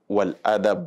Wa hada